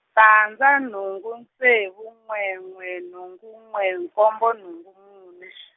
tandza nhungu ntsevu n'we n'we nhungu n'we nkombo nhungu mune.